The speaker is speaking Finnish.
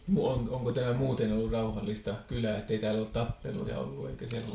onko tämä muuten ollut rauhallista kylää että ei täällä ole tappeluita ollut eikä sellaisia